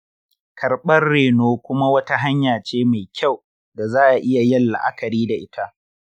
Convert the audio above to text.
karɓar reno kuma wata hanya ce mai kyau da za a iya yin la’akari da ita.